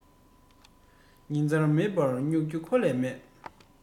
དུག སྦྲུལ ཁྱི སྨྱོན གཉིས ཀྱི བརྟག དཔྱད ཚང